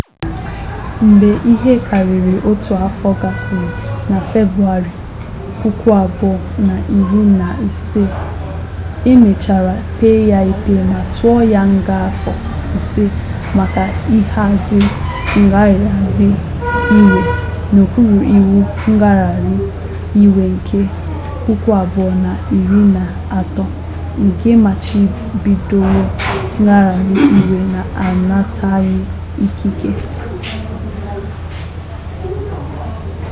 Mgbe ihe karịrị otu afọ gasịrị, na Febụwarị 2015, e mechara kpee ya ikpe ma tụọ ya nga afọ ise maka "ịhazi" ngagharị iwe n'okpuru iwu ngagharị iwe nke 2013 nke machibidoro ngagharị iwe na-anataghị ikike.